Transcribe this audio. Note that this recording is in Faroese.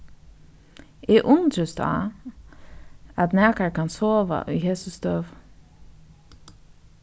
eg undrist á at nakar kann sova í hesi støðu